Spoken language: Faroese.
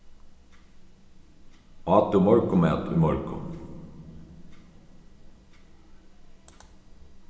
át tú morgunmat í morgun